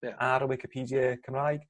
ar y wicipedie Cymraeg